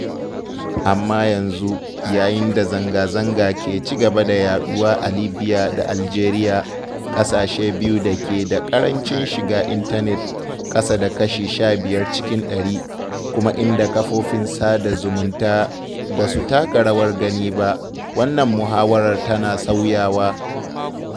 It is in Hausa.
Amma yanzu, yayin da zanga-zanga ke cigaba da yaɗuwa a Libya da Algeria – ƙasashe biyu da ke da ƙarancin shiga intanet ƙasa da kashi 15 cikin 100 kuma inda kafofin sada zumunta ba su taka rawar gani ba – wannan muhawarar tana sauyawa.